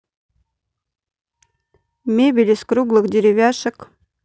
мебель из круглых деревяшек